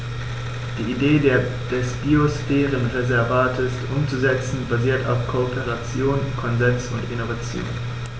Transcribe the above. Die Idee des Biosphärenreservates umzusetzen, basiert auf Kooperation, Konsens und Innovation.